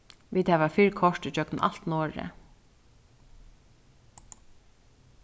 vit hava fyrr koyrt ígjøgnum alt noreg